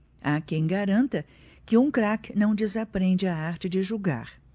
há quem garanta que um craque não desaprende a arte de jogar